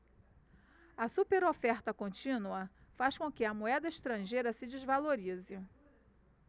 a superoferta contínua faz com que a moeda estrangeira se desvalorize